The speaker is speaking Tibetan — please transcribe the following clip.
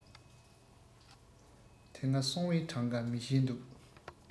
དེ སྔ སོང བའི གྲངས ཀ མི ཤེས འདུག